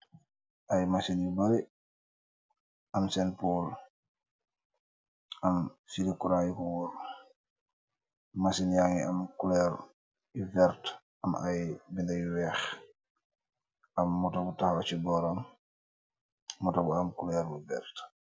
Aiiy machine yu bari, am sen pohrt, am fiili kurang yu kor wohrre, machine yangy am couleur vert am aiiy binda yu wekh, am motor bu takhaw chi bohram, motor bu am couleur bu vert.